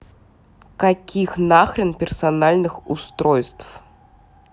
каких нахрен персональных устройств